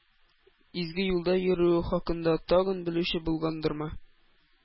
Изге юлда йөрүе хакында тагын белүче булгандырмы,